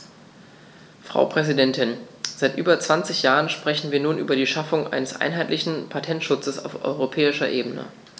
Frau Präsidentin, seit über 20 Jahren sprechen wir nun über die Schaffung eines einheitlichen Patentschutzes auf europäischer Ebene.